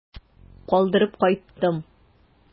Калдырып кайттым.